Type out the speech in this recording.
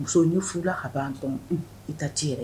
Muso n furula ka ban dɔrɔnw i ta t'i i yɛrɛ ye.